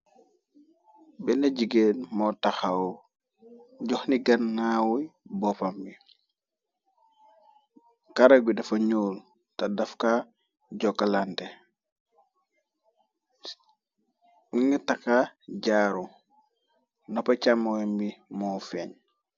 Benn jigeen moo taxaw joxni gannaawu boppam bi kara bi dafa ñyuul ta dafka jokkalante mu ngi taka jaaru noppa chàmoem bi moo feeñ.